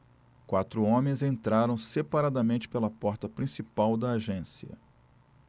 quatro homens entraram separadamente pela porta principal da agência